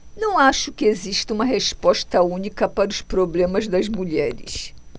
não acho que exista uma resposta única para os problemas das mulheres